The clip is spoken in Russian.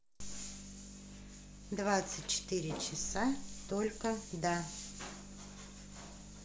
двадцать четыре часа только да